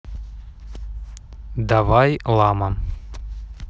давай лама